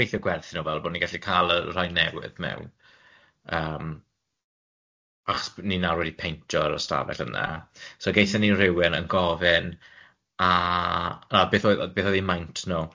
nhw fel bo ni'n gellu ca'l y rhai newydd mewn yym chos ni nawr wedi peintio yr ystafell yna so gethon ni rywun yn gofyn a na beth o'dd beth o'dd eu maint nw